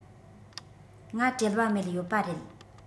ང བྲེལ བ མེད ཡོད པ རེད